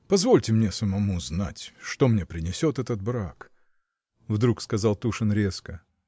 Позвольте мне самому знать, что мне принесет этот брак! — вдруг сказал Тушин резко.